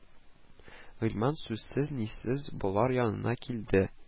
Гыйльман сүзсез-нисез болар янына килде